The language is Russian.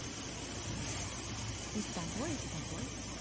и с тобой и с тобой